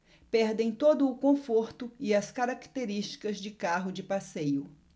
perdem todo o conforto e as características de carro de passeio